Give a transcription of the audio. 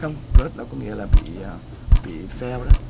không rớt là có nghĩa là bị bị pheo đó